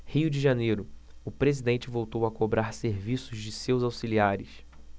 rio de janeiro o presidente voltou a cobrar serviço de seus auxiliares